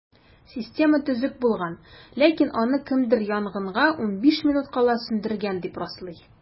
Система төзек булган, ләкин аны кемдер янгынга 15 минут кала сүндергән, дип раслый.